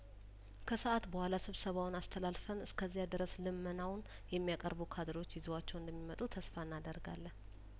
ከሰአት በኋላ ስብሰባውን አስተላልፈን እስከዚያድረስ ልመናውን የሚያቀርቡ ካድሬዎች ይዘዋቸው እንደሚመጡ ተስፋ እናደርጋለን